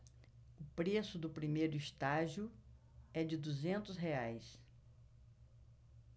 o preço do primeiro estágio é de duzentos reais